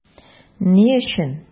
Ни өчен?